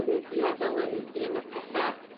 yn dwi meddwl yn un o'r petha'